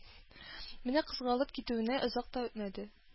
Менә кузгалып китүенә озак та үтмәде